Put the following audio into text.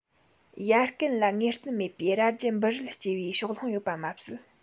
ཡ རྐན ལ ངེས བརྟན མེད པའི རྭ རྒྱུ འབུར རིལ སྐྱེ བའི ཕྱོགས ལྷུང ཡོད པ མ ཟད